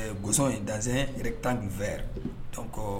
Gosɔn in dan yɛrɛ tan nin fɛ dɔn